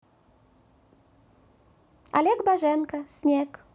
олег боженко снег